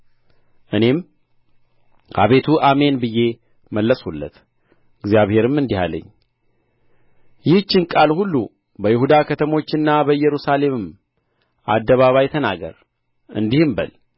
እኔም አቤቱ አሜን ብዬ መለስሁለት እግዚአብሔርም እንዲህ አለኝ ይህችን ቃል ሁሉ በይሁዳ ከተሞችና በኢየሩሳሌም አደባባይ ተናገር እንዲህም በል